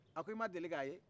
a k'i ma deli k'a ye